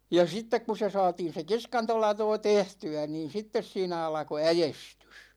ja sitten kun se saatiin se kiskantolatoo tehtyä niin sitten siinä alkoi äestys